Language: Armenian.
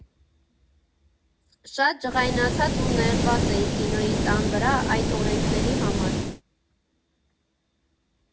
Շատ ջղայնացած ու նեղացած էի Կինոյի տան վրա այդ օրենքների համար։